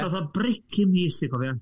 Roth o bric i mys i cofia.